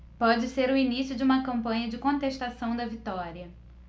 pode ser o início de uma campanha de contestação da vitória